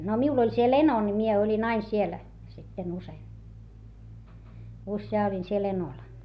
no minulla oli siellä eno niin minä olin aina siellä sitten usein useaan olin siellä enolla